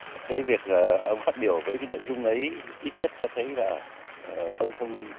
cái việc ờ ông phát biểu với cái nội dung ấy ít nhất cho thấy là ờ ông không